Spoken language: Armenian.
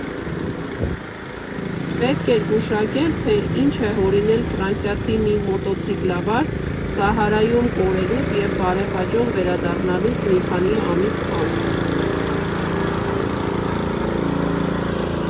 Պետք էր գուշակել, թե ինչ է հորինել ֆրանսիացի մի մոտոցիկլավար Սահարայում կորելուց և բարեհաջող վերադառնալուց մի քանի ամիս անց։